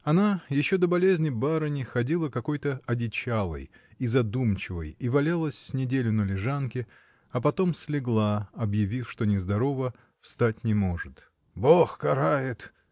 Она, еще до болезни барыни, ходила какой-то одичалой и задумчивой и валялась с неделю на лежанке, а потом слегла, объявив, что нездорова, встать не может. — Бог карает!